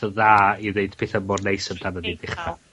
...yn dda i ddweud petha mor neis amdanom ni'n uchel.